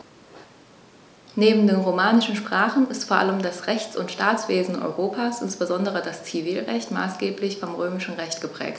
Neben den romanischen Sprachen ist vor allem das Rechts- und Staatswesen Europas, insbesondere das Zivilrecht, maßgeblich vom Römischen Recht geprägt.